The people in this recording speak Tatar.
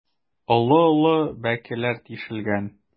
Олы-олы бәкеләр тишелгән.